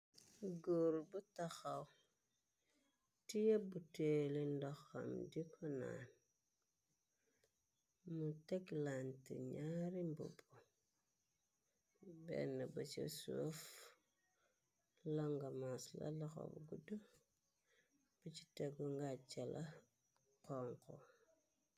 Góor bu taxaw tiebbu teele ndoxam di ko naan, mu teg lante ñaare mbopp bena ba ci suuf , longamas la laxaw gudd ba ci tegu ngaccala konxo.